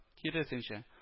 Киресенчә: